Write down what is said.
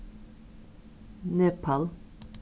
nepal